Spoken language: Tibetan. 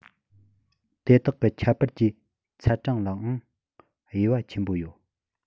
དེ དག གི ཁྱད པར གྱི ཚད གྲངས ལའང དབྱེ བ ཆེན པོ ཡོད